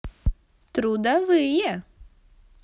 трудовые